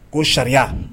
Ko sariya